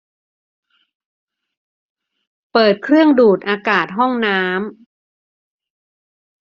เปิดเครื่องดูดอากาศห้องน้ำ